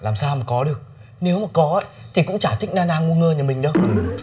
làm sao mà có được nếu có ý thì cũng chả thích na na ngu ngơ nhà mình đâu